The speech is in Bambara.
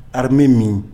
A bɛ min